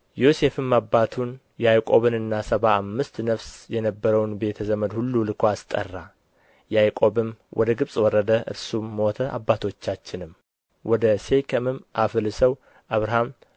ዮሴፍም አባቱን ያዕቆብንና ሰባ አምስት ነፍስ የነበረውን ቤተ ዘመድ ሁሉ ልኮ አስጠራ ያዕቆብም ወደ ግብፅ ወረደ እርሱም ሞተ አባቶቻችንም ወደ ሴኬምም አፍልሰው አብርሃም